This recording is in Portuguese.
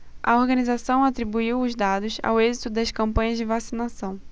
a organização atribuiu os dados ao êxito das campanhas de vacinação